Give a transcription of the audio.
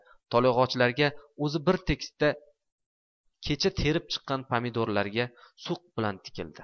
tolyog'ochlarga o'zi bir tekisda kecha terib chiqqan pomidorlarga suq bilan tikildi